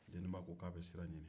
deniba ko k'a bɛ sira ɲinin